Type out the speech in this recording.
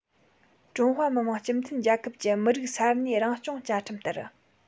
ཀྲུང ཧྭ མི དམངས སྤྱི མཐུན རྒྱལ ཁབ ཀྱི མི རིགས ས གནས རང སྐྱོང བཅའ ཁྲིམས ལྟར